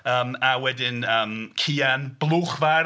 Yym a wedyn yym Cian Blwchfardd.